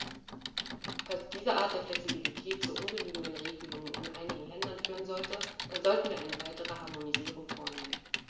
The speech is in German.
Falls diese Art der Flexibilität zu ungenügenden Regelungen in einigen Ländern führen sollte, dann sollten wir eine weitere Harmonisierung vornehmen.